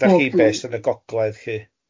Da chi'n based yn y Gogledd lly?